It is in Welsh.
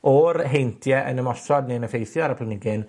O'r heintie yn ymosod neu'n effeithio ar y planigyn,